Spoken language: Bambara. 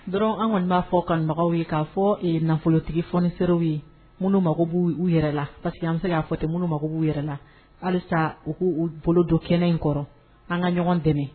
Dɔrɔn an kɔnni b'a fɔ kanubagaw ye, k'a fɔ e ye nafolotigi foniserew ye, minnu mako b'u yɛrɛ la, arce que an bɛ se k'a fɔ ten, minnu mako b'u yɛrɛ la. Halisa u k'u bolo don kɛnɛ in kɔrɔ, an ka ɲɔgɔn dɛmɛ.